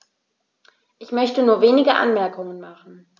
Ich möchte nur wenige Anmerkungen machen.